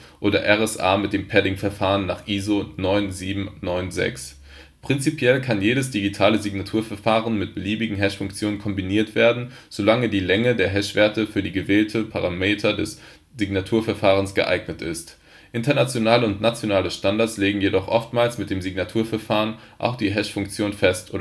oder RSA mit dem Padding-Verfahren nach ISO 9796. Prinzipiell kann jedes digitale Signaturverfahren mit beliebigen Hashfunktionen kombiniert werden, solange die Länge der Hashwerte für die gewählten Parameter des Signaturverfahrens geeignet ist. Internationale und nationale Standards legen jedoch oftmals mit dem Signaturverfahren auch die Hashfunktion fest